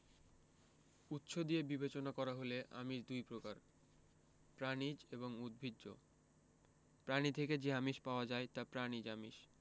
উৎস দিয়ে বিবেচনা করা হলে আমিষ দুই প্রকার প্রাণিজ ও উদ্ভিজ্জ প্রাণী থেকে যে আমিষ পাওয়া যায় তা প্রাণিজ আমিষ